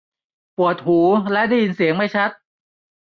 ปวดหูและได้ยินเสียงไม่ชัด